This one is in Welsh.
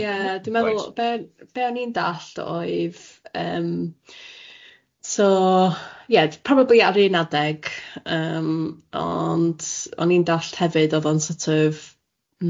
...ie dwi'n meddwl... Reit. ...be- be' o'n i'n dallt oedd yym so ie probably ar un adeg yym ond o'n i'n dallt hefyd oedd o'n sort of mm